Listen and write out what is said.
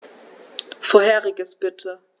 Vorheriges bitte.